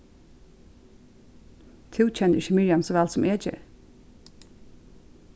tú kennir ikki miriam so væl sum eg geri